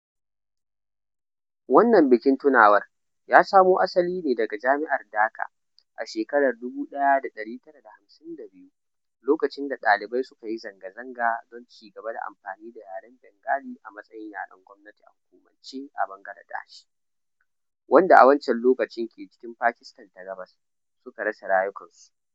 Wannan bikin tunawar ya samo asali ne daga Jami’ar Dhaka a shekarar 1952, lokacin da ɗalibai suka yi zanga-zanga don ci gaba da amfani da yaren Bengali a matsayin yaren gwamnati a hukumance a Bangladesh (wadda a wancan lokacin ke cikin Pakistan ta Gabas) suka rasa rayukansu.